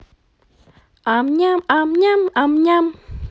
ам ням ам ням ам ням